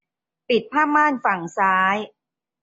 ปิดผ้าม่านฝั่งซ้าย